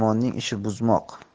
yomonning ishi buzmoq